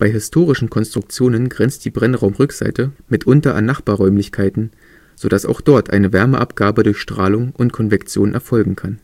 historischen Konstruktionen grenzt die Brennraumrückseite mitunter an Nachbarräumlichkeiten, sodass auch dort eine Wärmeabgabe durch Strahlung und Konvektion erfolgen kann